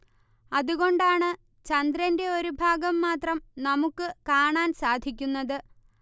അതുകൊണ്ടാണ് ചന്ദ്രന്റെ ഒരു ഭാഗം മാത്രം നമുക്ക് കാണാൻ സാധിക്കുന്നത്